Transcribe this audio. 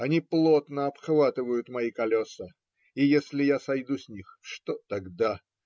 они плотно обхватывают мои колеса, и если я сойду с них, что тогда?